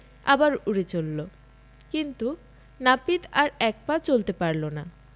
আবার উড়ে চলল কিন্তু নাপিত আর এক পা চলতে পারল না